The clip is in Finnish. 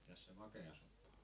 mitäs se makea soppa oli